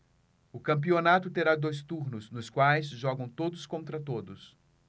o campeonato terá dois turnos nos quais jogam todos contra todos